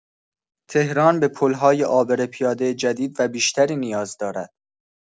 تهران به پل‌های عابر پیاده جدید و بیشتری نیاز دارد.